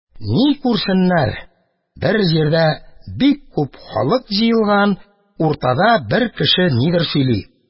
Ни күрсеннәр, бер җирдә бик күп халык җыелган, уртада бер кеше нидер сөйли.